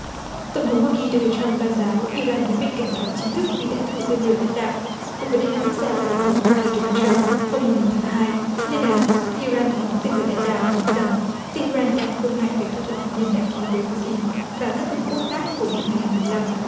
tổng thống hoa kỳ đô na trăm loan báo i ran đã bị cảnh cáo chính thức vì đã thử tên lửa đạn đạo cố vấn an ninh quốc gia của tổng thống hoa kỳ đô na trăm hôm mùng một tháng hai lên án i ran phóng tên lửa đạn đạo nói rằng i ran đang phương hại tới thỏa thuận hạt nhân đã ký với hoa kỳ và các cường quốc khác hồi năm hai ngàn mười lăm